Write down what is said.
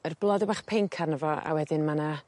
yr blode bach pinc arno fo a wedyn ma' 'na